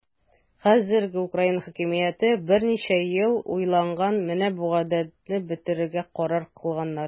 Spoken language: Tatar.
Хәзерге Украина хакимияте берничә ел уйлаган, менә бу гадәтне бетерергә карар кылганнар.